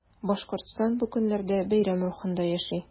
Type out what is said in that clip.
Башкортстан бу көннәрдә бәйрәм рухында яши.